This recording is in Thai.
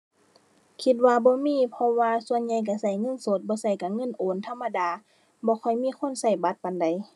คิดว่าบ่มี เพราะว่าส่วนใหญ่ก็ก็เงินสดหรือบ่ซั้นก็เงินโอนธรรมดา บ่ค่อยมีคนก็บัตรปานใด